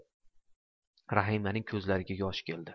rahimaning ko'zlariga yosh keldi